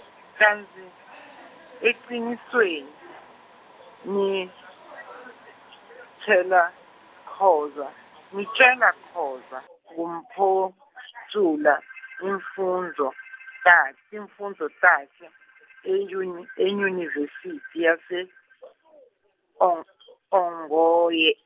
kantsi , ecinisweni -tshela, Khoza, thishela Khoza, kuphotfula , tifundvo, takhe, tifundvo takhe, enyuni- eyunivesithi, yase-Ong- -Ongoye.